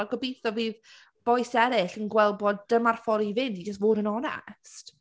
A gobeithio bydd bois eraill yn gweld bod dyma’r ffordd i fynd, i jyst fod yn onest.